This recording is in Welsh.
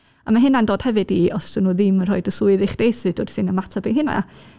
A ma' hynna'n dod hefyd i, os dyn nhw ddim yn rhoid y swydd i chdi, sut wyt ti'n ymateb i hynna?